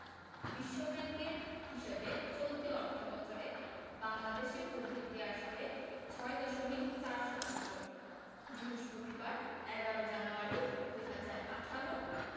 বিশ্বব্যাংকের হিসাবে চলতি অর্থবছরে বাংলাদেশের প্রবৃদ্ধি আসবে ৬.৪ শতাংশ বৃহস্পতিবার ১১ জানুয়ারি ২০১৮